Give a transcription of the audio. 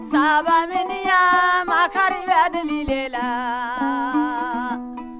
sabaminiyan makari bɛ deli le la